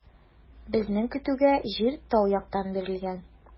Безнең көтүгә җир тау яктан бирелгән.